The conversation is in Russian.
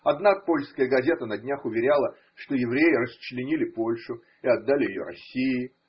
Одна польская газета на днях уверяла, что евреи расчленили Польшу и отдали ее России.